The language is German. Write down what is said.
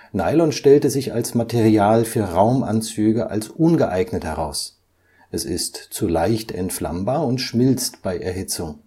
Nylon stellte sich als Material für Raumanzüge als ungeeignet heraus. Es ist zu leicht entflammbar und schmilzt bei Erhitzung